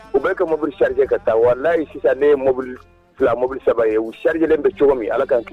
U bɛ ka mobili sariya ka taa wa n'a ye sisan ne ye mobili fila mobili saba ye u sariyari kelenlen bɛ cogo min ala kan tilen